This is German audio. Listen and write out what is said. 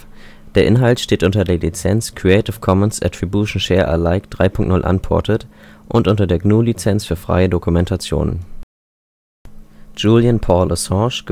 Der Inhalt steht unter der Lizenz Creative Commons Attribution Share Alike 3 Punkt 0 Unported und unter der GNU Lizenz für freie Dokumentation. Julian Paul Assange